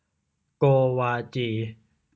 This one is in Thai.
โกวาจี